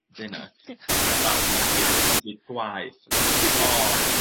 dinner a ma' 'na babi yn crio do's a'm byd gwaeth ma' n'w mor